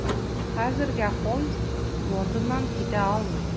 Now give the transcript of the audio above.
Хәзергә Холмс Лондоннан китә алмый.